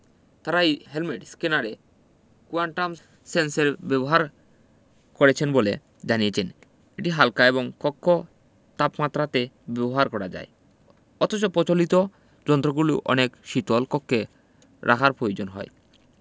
তারা এই হেলমেট স্ক্যানারে কোয়ান্টাম সেন্সের ব্যবহার করেছেন বলে জানিয়েছেন এটি হাল্কা এবং কক্ষ তাপমাত্রাতে ব্যবহার করা যায় অথচ পচলিত যন্ত্রগুলো অনেক শীতল কক্ষে রাখার পয়োজন হয়